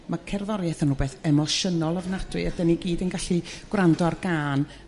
Ma' cerddori'eth yn 'wbeth emosiynol ofnadwy a dyn ni gyd yn gallu gwrando ar gân...